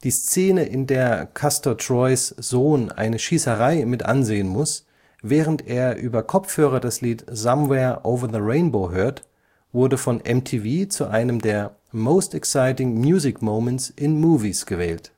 Szene, in der Castor Troys Sohn eine Schießerei mitansehen muss, während er über Kopfhörer das Lied Somewhere over the Rainbow hört, wurde von MTV zu einem der „ Most Exciting Music Moments in Movies “gewählt